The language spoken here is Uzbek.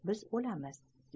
biz olamiz